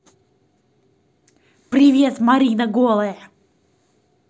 привет марина голая